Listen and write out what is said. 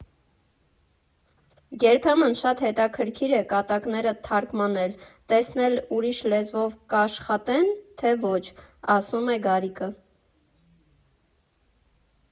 ֊ Երբեմն շատ հետաքրքիր է կատակներդ թարգմանել, տեսնել ուրիշ լեզվով կաշխատե՞ն թե ոչ, ֊ ասում է Գարիկը։